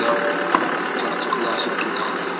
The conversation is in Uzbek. baliq ovlab chaqchaqlashib ketardi